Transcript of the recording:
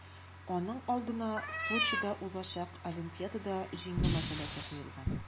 Аның алдына Сочида узачак Олимпиадада җиңү мәсьәләсе куелган.